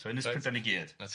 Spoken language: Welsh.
So Ynys Prydain i gyd reit.